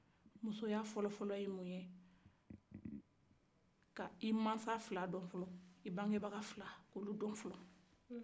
musoya fɔlɔ ye mun ye k'i bankebaw don folon